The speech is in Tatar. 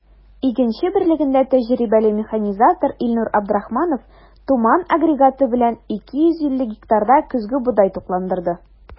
“игенче” берлегендә тәҗрибәле механизатор илнур абдрахманов “туман” агрегаты белән 250 гектарда көзге бодай тукландырды.